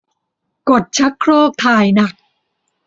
กดชักโครกถ่ายหนัก